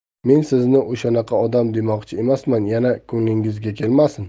men sizni o'shanaqa odam demoqchi emasman yana ko'nglingizga kelmasin